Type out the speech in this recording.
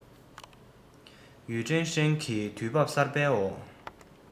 ཡུས ཀྲེང ཧྲེང གིས དུས བབ གསར པའི འོག